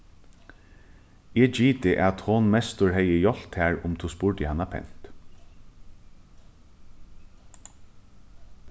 eg giti at hon mestur hevði hjálpt tær um tú spurdi hana pent